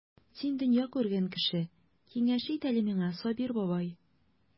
Син дөнья күргән кеше, киңәш ит әле миңа, Сабир бабай.